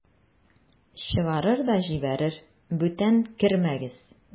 Чыгарыр да җибәрер: "Бүтән кермәгез!"